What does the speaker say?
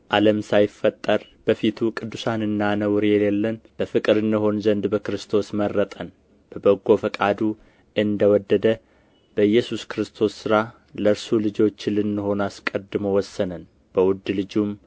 ዓለም ሳይፈጠር በፊቱ ቅዱሳንና ነውር የሌለን በፍቅር እንሆን ዘንድ በክርስቶስ መረጠን በበጎ ፈቃዱ እንደ ወደደ በኢየሱስ ክርስቶስ ሥራ ለእርሱ ልጆች ልንሆን አስቀድሞ ወሰነን በውድ ልጁም